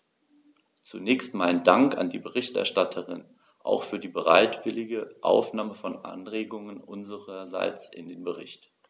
Zunächst meinen Dank an die Berichterstatterin, auch für die bereitwillige Aufnahme von Anregungen unsererseits in den Bericht.